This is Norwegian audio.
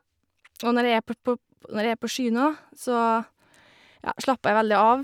Og når jeg er på på p Når jeg på sjyna, så, ja, slapper jeg veldig av.